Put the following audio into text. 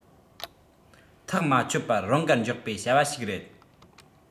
ཐག མ ཆོད པར རང དགར འཇོག པའི བྱ བ ཞིག རེད